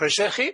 Croeso ichi.